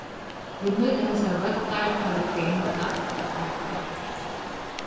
vit nýta hesar vøddar tá vit ganga og hoppa